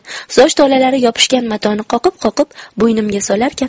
soch tolalari yopishgan matoni qoqib qoqib bo'ynimga solarkan